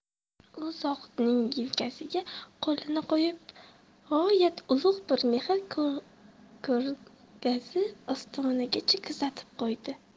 u zohidning yelkasiga qo'lini qo'yib g'oyat ulug' bir mehr ko'rgazib ostonagacha kuzatib qo'ydi